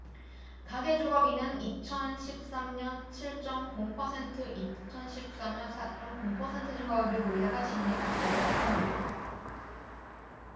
가계 주거비는 이천 십 삼 년 칠 쩜 공 퍼센트 이천 십 사 년 사 쩜 공 퍼센트의 증가율을 보이다가 지난해 갑자기 대폭 늘었다